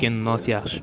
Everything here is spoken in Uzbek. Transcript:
chekim nos yaxshi